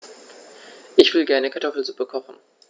Ich will gerne Kartoffelsuppe kochen.